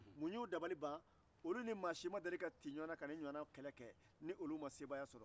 olu ni maa si ma deli ka ti ɲɔgɔn ka se nin hake ni olu ma o sebaaya sɔrɔ